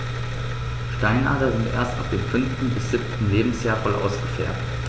Steinadler sind erst ab dem 5. bis 7. Lebensjahr voll ausgefärbt.